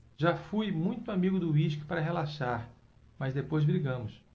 já fui muito amigo do uísque para relaxar mas depois brigamos